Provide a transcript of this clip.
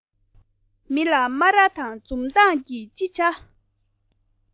མི ལ སྨ ར དང འཛུམ མདངས ཀྱིས ཅི བྱ